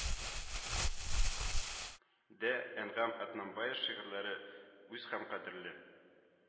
Дә әнгам атнабаев шигырьләре үз һәм кадерле